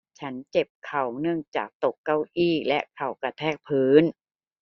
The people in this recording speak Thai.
ฉันเจ็บเข่าเนื่องจากตกเก้าอี้และเข่ากระแทกพื้น